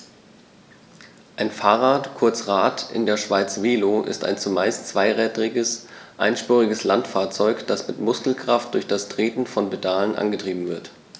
Ein Fahrrad, kurz Rad, in der Schweiz Velo, ist ein zumeist zweirädriges einspuriges Landfahrzeug, das mit Muskelkraft durch das Treten von Pedalen angetrieben wird.